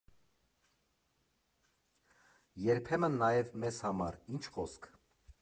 Երբեմն նաև մեզ համար, ինչ խոսք։